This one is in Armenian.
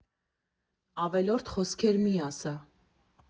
Ավելորդ խոսքեր մի՛ ասա։